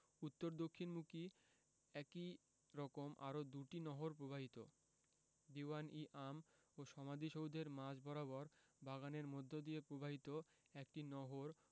উত্তর দক্ষিণমুখী একই রকম আরও দুটি নহর প্রবাহিত দীউয়ান ই আম ও সমাধিসৌধের মাঝ বরাবর বাগানের মধ্যদিয়ে প্রবাহিত একটি নহর